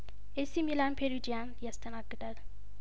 ኤሲ ሚላን ፔሩ ጂያን ያስተናግዳል